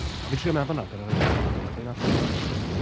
A fi'n trio meddwl nawr gyda'r recoupling, pwy aeth gyda pwy?